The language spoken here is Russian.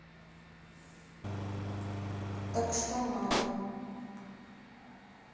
так что надо